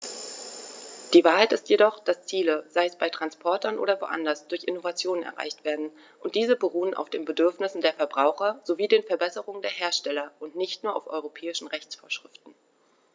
Die Wahrheit ist jedoch, dass Ziele, sei es bei Transportern oder woanders, durch Innovationen erreicht werden, und diese beruhen auf den Bedürfnissen der Verbraucher sowie den Verbesserungen der Hersteller und nicht nur auf europäischen Rechtsvorschriften.